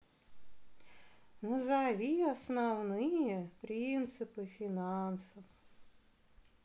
назови основные принципы финансов